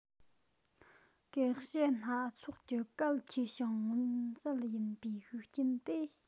གེགས བྱེད སྣ ཚོགས ཀྱི གལ ཆེ ཞིང མངོན གསལ ཡིན པའི ཤུགས རྐྱེན དེ